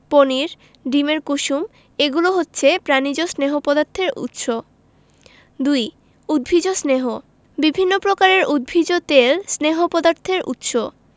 পনির ডিমের কুসুম এগুলো হচ্ছে প্রাণিজ স্নেহ পদার্থের উৎস ২ উদ্ভিজ্জ স্নেহ বিভিন্ন প্রকারের উদ্ভিজ তেল স্নেহ পদার্থের উৎস